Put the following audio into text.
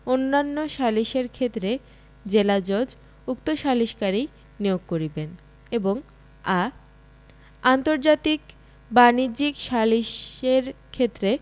অন্যান্য সালিসের ক্ষেত্রে জেলাজজ উক্ত সালিসকারী নিয়োগ করিবেন এবং আ আন্তর্জাতিক বাণিজ্যিক সালিসের ক্ষেত্রে